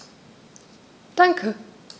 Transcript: Danke.